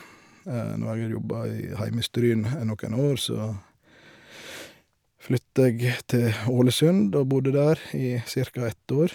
ett år.